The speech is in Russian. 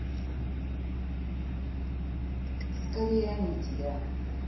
скорее они тебя